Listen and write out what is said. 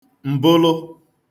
m̀bụlụ